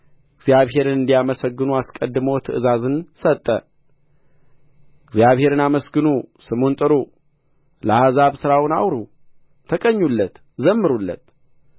እግዚአብሔርን እንዲያመሰግኑ ትእዛዝን ሰጠ እግዚአብሔርን አመስግኑ ስሙን ጥሩ ለአሕዛብ ሥራውን አውሩ ተቀኙለት ዘምሩለት